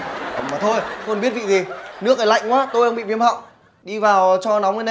mà thôi không cần biết vị gì nước này lạnh quá tôi đang bị viêm họng đi vào cho nóng lên